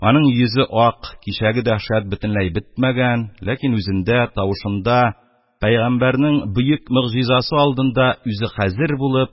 Аның йөзе ак, кичәге дәһшәт бөтенләй бетмәгән, ләкин үзендә, тавышында пәйгамбәрнең бөек могҗизасы алдында үзе хәзер булып,